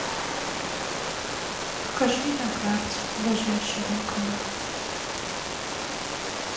покажи на карте ближайший банкомат